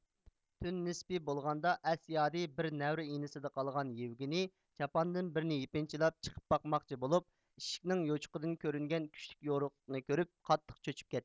تۈن نىسپبى بولغاندا ئەس يادى بىرنەۋرە ئىنىسىدا قالغان يېۋگېنې چاپاندىن بىرنى يېپىنچاقلاپ چىقىپ باقماقچى بولۇپ ئىشىكنىڭ يوچۇقىدىن كۆرۈنگەن كۈچلۈك يورۇقلۇقنى كۆرۈپ قاتتىق چۆچۈپ كەتتى